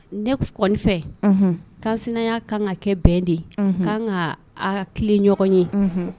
Ne ka sinaya ka kan ka kɛ bɛn de'an ka a tile ɲɔgɔn ye